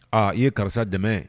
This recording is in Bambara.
Aa i ye karisa dɛmɛ